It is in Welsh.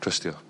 trystio.